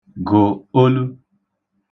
gụ̀ olu